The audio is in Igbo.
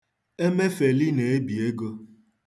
Emefeli na-ebi ego.